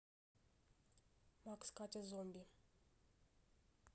макс катя зомби